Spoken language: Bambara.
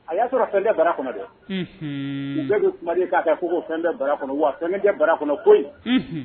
A y'a sɔrɔ fɛn bara kɔnɔ don bɛɛ bɛ kumaden k'a ko fɛn bɛɛ bara kɔnɔ wa fɛn tɛ bara kɔnɔ ko yen